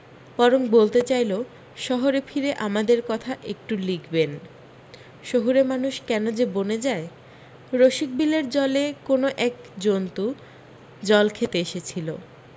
বরং বলতে চাইল শহরে ফিরে আমাদের কথা একটু লিখবেন শহুরে মানুষ কেন যে বনে যায় রসিকবিলের জলে কোনও এক জন্তু জল খেতে এসেছিল